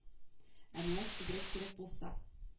Ә миңа күбрәк кирәк булса